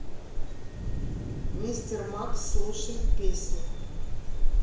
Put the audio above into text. мистер макс слушает песни